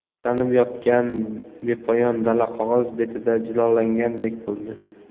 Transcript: yastanib yotgan bepoyon dala qog'oz betida jilolangandek bo'ldi